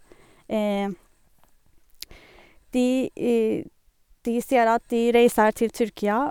de De sier at de reiser til Tyrkia.